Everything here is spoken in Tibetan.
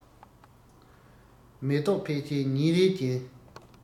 མེ ཏོག ཕལ ཆེར ཉིན རེའི རྒྱན